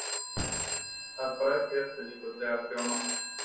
отправь весточку для артема